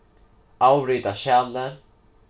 avrita skjalið